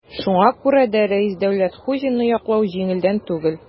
Шуңа күрә дә Рәис Дәүләткуҗинны яклау җиңелдән түгел.